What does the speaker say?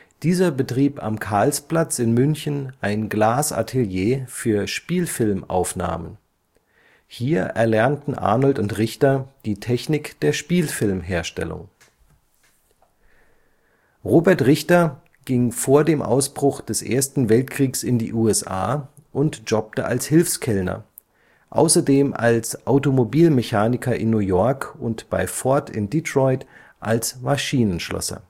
Dieser betrieb am Karlsplatz in München ein Glasatelier für Spielfilmaufnahmen. Hier erlernten Arnold und Richter die Technik der Spielfilmherstellung. Robert Richter ging vor dem Ausbruch des Ersten Weltkriegs in die USA und jobbte als Hilfskellner, außerdem als Automobilmechaniker in New York und bei Ford in Detroit als Maschinenschlosser